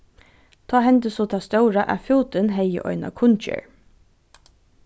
tá hendi so tað stóra at fútin hevði eina kunngerð